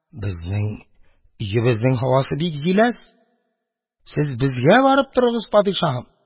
Безнең өебезнең һавасы бик җиләс, сез безгә барып торыгыз, падишаһым!